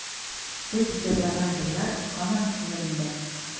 Сез җырлаган җырлар һаман күңелемдә.